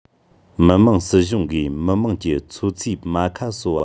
མི དམངས སྲིད གཞུང གིས མི དམངས ཀྱི འཚོ ཚིས མ ཁ གསོ བ